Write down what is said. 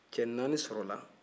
cɛ naani sɔrɔla